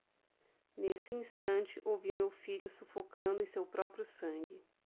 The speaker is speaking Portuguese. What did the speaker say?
nesse instante ouvi meu filho sufocando em seu próprio sangue